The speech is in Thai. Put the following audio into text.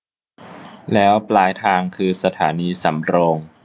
แล้วปลายทางคือสถานีสำโรง